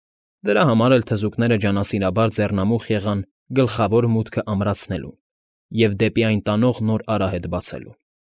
Դրա համար էլ թզուկները ջանասիրաբար ձեռնամուխ եղան գլխավոր մուտքը ամրացնելուն և դեպի այն տանող նոր արահետ բացելուն։